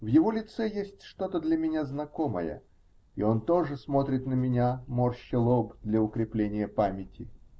В его лице есть что-то для меня знакомое, и он тоже смотрит на меня, морща лоб для укрепления памяти.